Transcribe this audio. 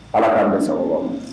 Ala k'a mɛnsa ma